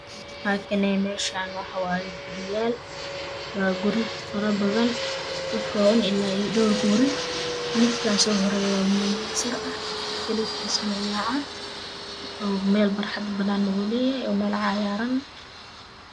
Halkane meeshan waxaa waaye guriyaal gurii farabadan waaye ka kooban ilaa iyo dhowr guri midkan soo horeeyo waa mid sar ah kalarkisana waa cad oo meel barxad banaan ah buu leeyahay